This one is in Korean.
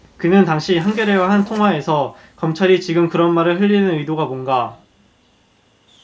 그는 당시 한겨레 와 한 통화에서 검찰이 지금 그런 말을 흘리는 의도가 뭔가